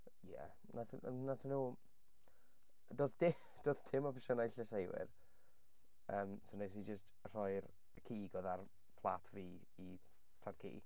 Ie. Natha- wnaethon nhw... doedd dim doedd dim opsiynnau llysieuwyr yym, so wnes i jyst rhoi'r cig oedd ar plat fi i tadcu.